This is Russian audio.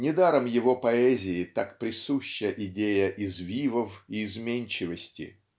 Недаром его поэзии так присуща идея извивов и изменчивости.